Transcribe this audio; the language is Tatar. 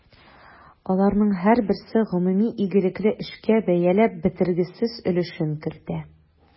Аларның һәрберсе гомуми игелекле эшкә бәяләп бетергесез өлешен кертә.